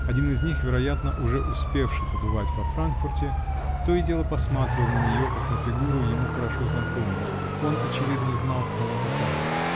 один из них, вероятно, уже успевший побывать во Франкфурте, то и дело посматривал на нее, как на фигуру, ему хорошо знакомую: он, очевидно, знал, кто она такая.